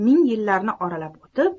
ming yillarni oralab o'tib